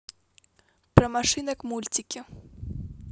про машинок мультики